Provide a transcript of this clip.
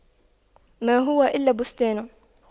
ما هو إلا بستان